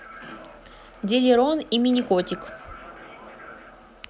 диллерон и миникотик